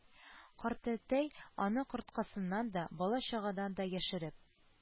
Картәтәй аны корткасыннан да, бала-чагадан да яшереп